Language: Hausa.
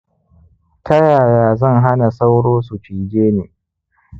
ta yaya zan hana sauro su cije ni